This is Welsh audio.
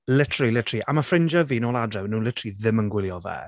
Literally literally a mae ffrindiau fi nôl adre maen nhw literally ddim yn gwylio fe.